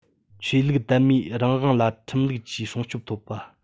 ཆོས ལུགས དད མོས རང དབང ལ ཁྲིམས ལུགས ཀྱིས སྲུང སྐྱོབ ཐོབ པ